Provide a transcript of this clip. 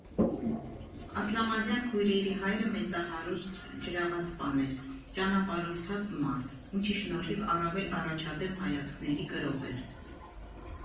Ասլամազյան քույրերի հայրը մեծահարուստ ջրաղացպան էր, ճանապարհորդած մարդ, ինչի շնորհիվ առավել առաջադեմ հայացքների կրող էր։